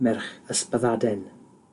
merch Ysbyddaden.